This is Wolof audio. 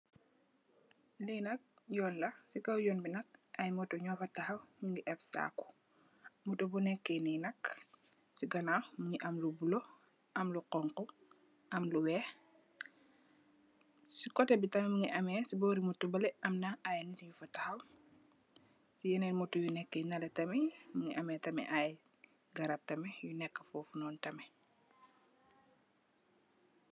Lee nak yoon la se kaw yoon be nak aye motou nufa tahaw muge ebb saku motou bu neke nee nak se ganaw muge am lu bulo am lu xonxo am lu weex se koteh be tamin muge ameh se bore motou bale amna aye neet yufa tahaw se yenen motou yu neke nale tamin muge ameh tamin aye garab tamin yu neke fofunon tamin.